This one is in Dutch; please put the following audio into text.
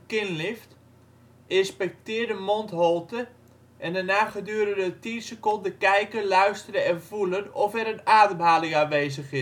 chin-lift ": Inspecteer de mondholte en daarna gedurende 10 seconden kijken, luisteren en voelen of er een ademhaling aanwezig